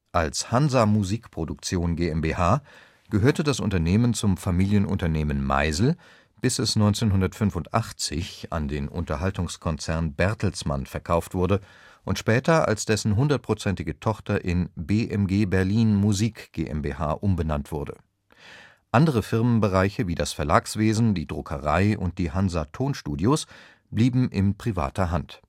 Als Hansa Musik Produktion GmbH gehörte das Unternehmen zum Familienunternehmen Meisel, bis es 1985 an den Unterhaltungskonzern Bertelsmann verkauft wurde und später als dessen 100% ige Tochter in BMG Berlin Musik GmbH umbenannt wurde. Andere Firmenbereiche wie das Verlagswesen, die Druckerei und die Hansa-Tonstudios blieben in privater Hand